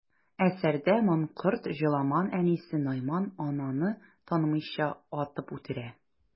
Әсәрдә манкорт Җоламан әнисе Найман ананы танымыйча, атып үтерә.